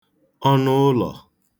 ọnụụlọ̀